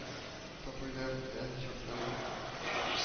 “топольләр”да чакта